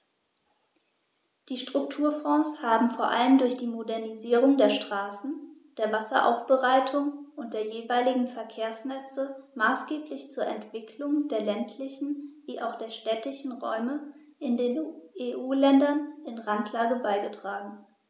Die Strukturfonds haben vor allem durch die Modernisierung der Straßen, der Wasseraufbereitung und der jeweiligen Verkehrsnetze maßgeblich zur Entwicklung der ländlichen wie auch städtischen Räume in den EU-Ländern in Randlage beigetragen.